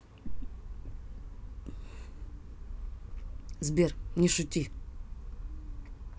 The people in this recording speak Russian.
сбер не шути